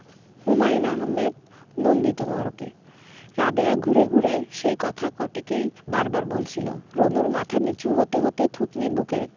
হুমায়ুন আহমেদ নন্দিত নরকে রাবেয়া ঘুরে ঘুরে সেই কথা কটিই বার বার বলছিলো রুনুর মাথা নীচু হতে হতে থুতনি বুকের